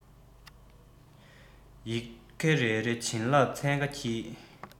ཡི གེ རེ རེར བྱིན རླབས ཚན ཁ འཁྱིལ